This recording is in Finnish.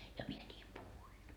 ja minä niin puhuin